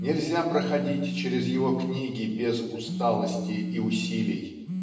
нельзя проходить через его книги без усталости и усилий.